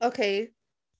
Oce.